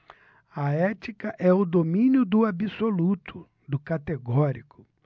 a ética é o domínio do absoluto do categórico